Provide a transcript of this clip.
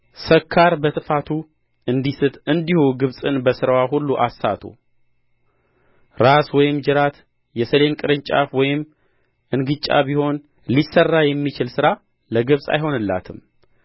ሰካር በትፋቱ እንዲስት እንዲሁ ግብጽን በሥራዋ ሁሉ አሳቱ ራስ ወይም ጅራት የሰሌን ቅርንጫፍ ወይም እንግጫ ቢሆን ሊሠራ የሚችል ሥራ ለግብጽ አይሆንላትም